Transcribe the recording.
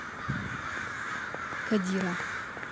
кадира